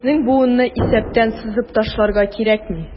Безнең буынны исәптән сызып ташларга кирәкми.